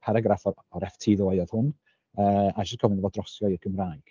Paragraff o o'r FT ddoe oedd hwn yy a jyst gofyn iddo fo drosi o i'r Gymraeg.